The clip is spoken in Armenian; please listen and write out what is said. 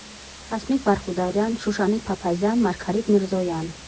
Հասմիկ Բարխուդարյան, Շուշանիկ Փափազյան, Մարգարիտ Միրզոյան։